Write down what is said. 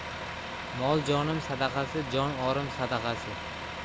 mol jonim sadag'asi jon orim sadag'asi